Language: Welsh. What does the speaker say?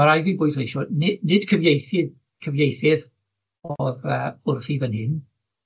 ma' raid fi bwysleisio ni- nid cyfieithydd cyfieithydd o'dd yy wrthi fyn hyn